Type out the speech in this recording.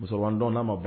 Musomanindɔn n'a ma bɔ